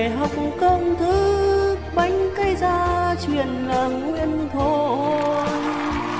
về học công thức bánh cáy gia truyền làng nguyễn thôi